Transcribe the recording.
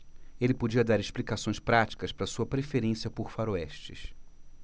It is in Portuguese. ele podia dar explicações práticas para sua preferência por faroestes